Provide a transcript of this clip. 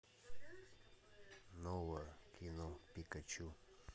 новое кино пикачу